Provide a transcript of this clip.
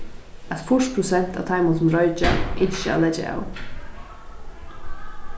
at fýrs prosent av teimum sum roykja ynskja at leggja av